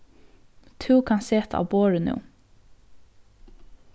tú kanst seta á borðið nú